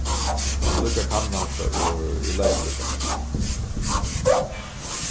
lat meg líka kanna hatta øh eg leiti líka